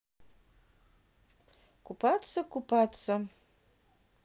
купаться купаться